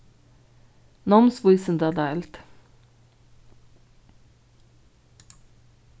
námsvísindadeild